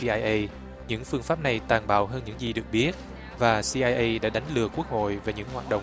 xi ai ây những phương pháp này tàn bạo hơn những gì được biết và xi ai ây đã đánh lừa quốc hội về những hoạt động